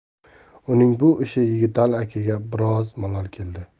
uning bu ishi yigitali akaga biroz malol keldi